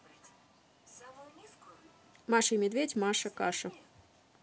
маша и медведь маша каша